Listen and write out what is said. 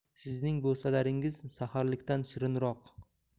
sizning bo'salaringiz saharlikdan shirinroq